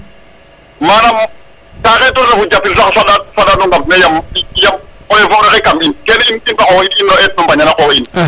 manam ka xetorna fo japil sax saɗano god yam yam o eaux et foret xey kam in kene in fa qox in ino etno mbaña qoox in